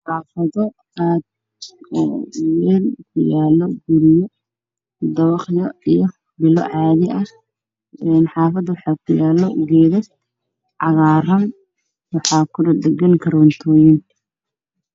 Halkaan waxaa ka muuqdo dabaqyo dhaadheer waxaana ku hoosyaalo geedo cagaaran iyo guryo